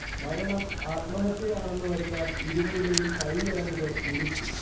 മരണം ആത്മഹത്യയാണെന്നു വരുത്താൻ ഇരുവരുടെയും കൈഞരമ്പുകൾ മുറിച്ചു